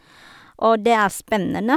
Og det er spennende.